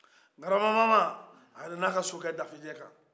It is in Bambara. grabamama a yɛlɛla a ka sokɛ dafejɛ kan